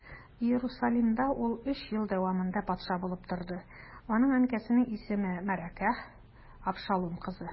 Иерусалимдә ул өч ел дәвамында патша булып торды, аның әнкәсенең исеме Мәгакәһ, Абшалум кызы.